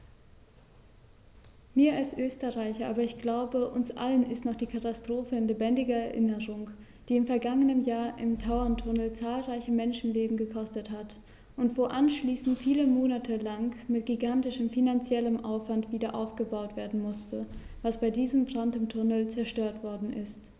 Mir als Österreicher, aber ich glaube, uns allen ist noch die Katastrophe in lebendiger Erinnerung, die im vergangenen Jahr im Tauerntunnel zahlreiche Menschenleben gekostet hat und wo anschließend viele Monate lang mit gigantischem finanziellem Aufwand wiederaufgebaut werden musste, was bei diesem Brand im Tunnel zerstört worden ist.